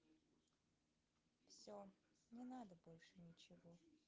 все не надо больше ничего